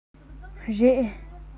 རེད